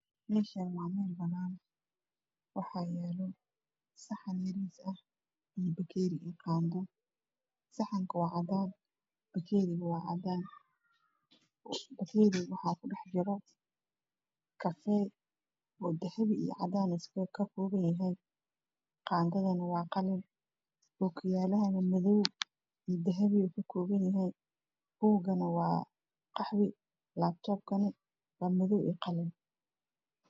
Meshan waxaa yalo saxan iyo qando iyo bakeeri cadan ah kobka waxaa ku jira kafey cadan iyo qaxwi ah